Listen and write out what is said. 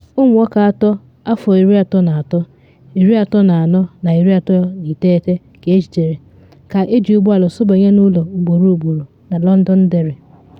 Ụmụ nwoke atọ, afọ 33, 34, na 39, ka ejidere ka eji ụgbọ ala sụbanye n’ụlọ ugboro ugboro na Londonderry.